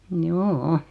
joo